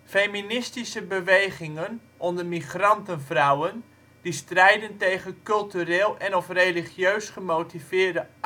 Feministische bewegingen onder migrantenvrouwen die strijden tegen cultureel en/of religieus gemotiveerde